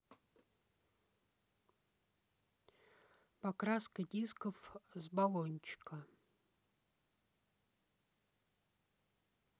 покраска дисков с баллончика